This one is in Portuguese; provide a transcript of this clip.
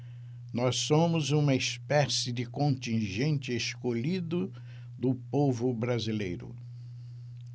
nós somos uma espécie de contingente escolhido do povo brasileiro